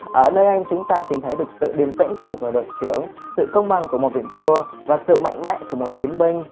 ở nơi anh chúng ta tìm thấy được sự điềm tĩnh của người đội trưởng sự công bằng của vị vua và sự mạnh mẽ của chiến binh